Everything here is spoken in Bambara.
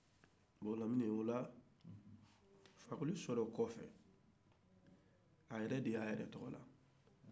bon lamini ola fakoli sɔrɔlen kɔ a yɛrɛ de y'a yɛre tɔgɔda